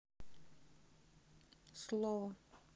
слово